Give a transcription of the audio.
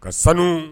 Ka sanun